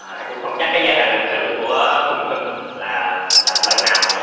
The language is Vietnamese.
anh cũng không chắc cái giai đoạn lịch sử của phùng hưng là là thời nào nữa